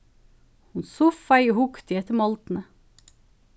hon suffaði og hugdi eftir moldini